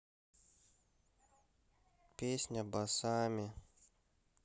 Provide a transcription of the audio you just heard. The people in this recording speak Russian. песня басами